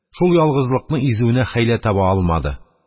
Шул ялгызлыкның изүенә хәйлә таба алмады.